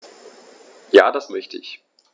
Ja, das möchte ich.